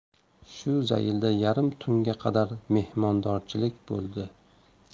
shu zaylda yarim tunga qadar mehmondorchilik bo'ldi